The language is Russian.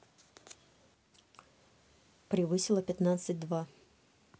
превысило пятнадцать два